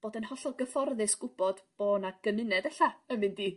bod yn hollol gyfforddus gwbod bo' 'na gymuned ella yn mynd i